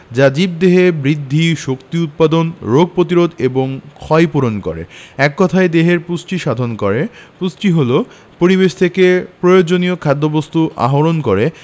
যা জীবদেহে বৃদ্ধি শক্তি উৎপাদন রোগ প্রতিরোধ এবং ক্ষয়পূরণ করে এক কথায় দেহের পুষ্টি সাধন করে পুষ্টি হলো পরিবেশ থেকে প্রয়োজনীয় খাদ্যবস্তু আহরণ করে